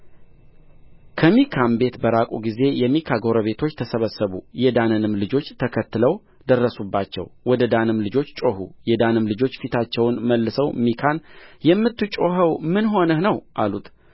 ከሚካም ቤት በራቁ ጊዜ የሚካ ጐረቤቶች ተሰበሰቡ የዳንም ልጆች ተከትለው ደረሱባቸው ወደ ዳንም ልጆች ጮኹ የዳንም ልጆች ፊታቸውን መልሰው ሚካን የምትጮኸው ምን ሆነህ ነው አሉት